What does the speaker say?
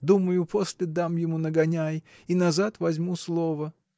думаю, после дам ему нагоняй и назад возьму слово.